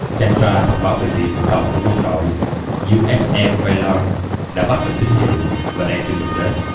kendra thông báo về việc tàu của quân đội usm valor đã bắt được tín hiệu và đang trên đường đến